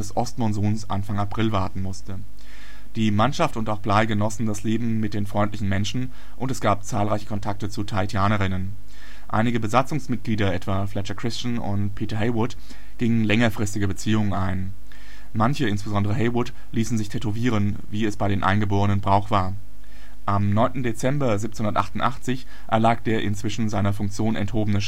Ost-Monsuns Anfang April warten musste. Die Mannschaft und auch Bligh genossen das Leben mit den freundlichen Menschen, es gab zahlreiche Kontakte zu Tahitianerinnen. Einige Besatzungsmitglieder, etwa Fletcher Christian und Peter Heywood, gingen längerfristige Beziehungen ein. Manche, insbesondere Heywood, ließen sich tätowieren, wie es bei den Eingeborenen Brauch war. Am 9. Dezember 1788 erlag der inzwischen seiner Funktion enthobene